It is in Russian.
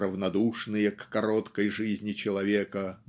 равнодушные к короткой жизни человека